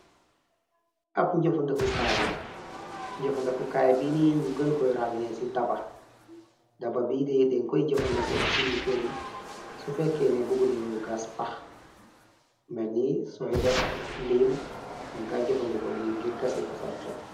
Ab njëfandëku kaay la njëfandeku kaay bi ni ñu gën koy ràññeen ci daba daba bi de den koy jëfandiko ci ci nu keryi su fekkeene bugg nañoo gaas pax merni sooy def liim mun ngay jëfandiko li ngir gase ko say xet.